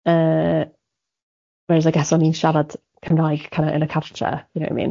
Yy whereas I guess o'n i'n siarad Cymraeg kind of yn y cartre, you know what I mean?